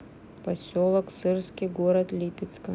поселок сырский города липецка